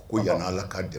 O yan ala ka dɛmɛ